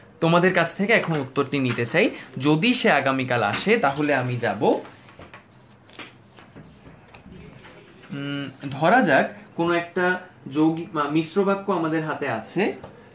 তোমাদের কাছ থেকে এখন উত্তরটি নিতে চাই যদি সে আগামি কাল আসে তাহলে আমি যাব ধরা যাক কোন একটা যৌগিক বা মিশ্র বাক্য আমাদের হাতে আছে